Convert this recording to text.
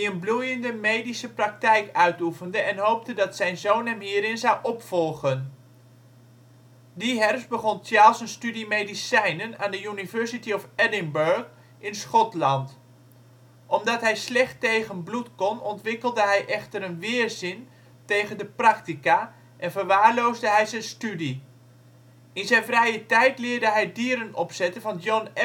bloeiende medische praktijk uitoefende en hoopte dat zijn zoon hem hierin zou opvolgen. Die herfst begon Charles een studie medicijnen aan de University of Edinburgh in Schotland. Omdat hij slecht tegen bloed kon ontwikkelde hij echter een weerzin tegen de practica en verwaarloosde hij zijn studie. In zijn vrije tijd leerde hij dieren opzetten van John